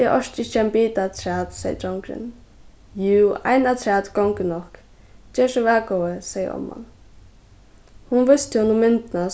eg orki ikki ein bita afturat segði drongurin jú ein afturat gongur nokk ger so væl góði segði omman hon vísti honum myndina